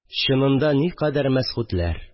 Чынында никадәр мәсгудләр